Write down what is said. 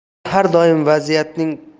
odamlar har doim